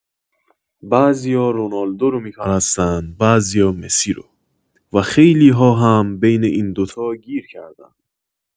بعضیا رونالدو رو می‌پرستن، بعضیا مسی رو، و خیلی‌ها هم بین این دو تا گیر کردن.